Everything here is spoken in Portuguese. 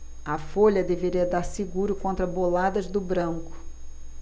a folha devia dar seguro contra boladas do branco